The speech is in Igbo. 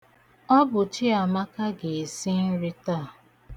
Ọ bụ Chiamaka ga-esi nri taa.